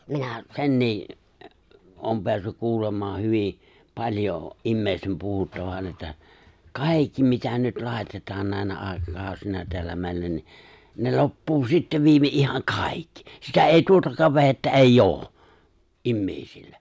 minä senkin olen päässyt kuulemaan hyvin paljon ihmisten puhuttavan että kaikki mitä nyt laitetaan näinä aikakausina täällä meillä niin ne loppuu sitten viimein ihan kaikki sitä ei tuotakaan vehjettä ei ole ihmisillä